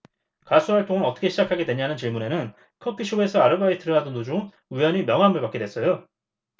가수 활동은 어떻게 시작하게 됐냐는 질문에는 커피숍에서 아르바이트를 하던 도중 우연히 명함을 받게 됐어요